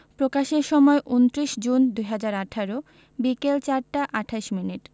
প্রকাশের সময় ২৯ জুন ২০১৮ বিকেল ৪টা ২৮ মিনিট